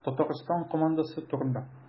Татарстан командасы турында.